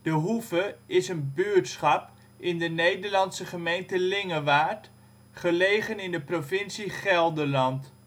Hoeve is een buurtschap in de Nederlandse gemeente Lingewaard, gelegen in de provincie Gelderland